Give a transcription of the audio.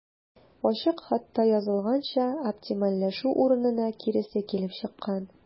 Ачык хатта язылганча, оптимальләшү урынына киресе килеп чыккан.